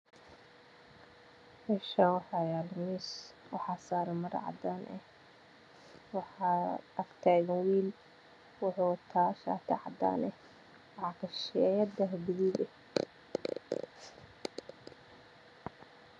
Meeshaan waxaa yaalo miis waxaa saaran maro cadaan ah agtaagan wiil waxuu wataa shaati cadaan ah. Waxaa kashisheeya daah gaduudan.